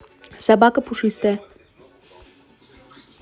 собака пушистая